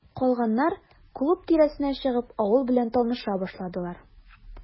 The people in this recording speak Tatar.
Калганнар, клуб тирәсенә чыгып, авыл белән таныша башладылар.